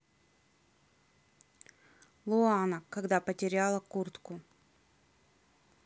луана когда потеряла куртку